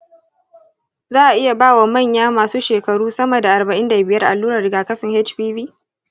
za a iya bai wa manya masu shekaru sama da arba'in da biyar allurar rigakafin hpv?